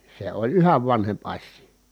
se oli yhä vanhempi asia